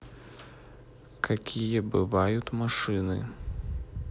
какие бывают машины